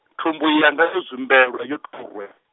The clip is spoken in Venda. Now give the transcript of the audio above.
thumbu yanga yo zwimbelwa yo rwe.